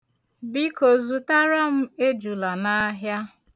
Biko zụtara m ejula n'ahịa.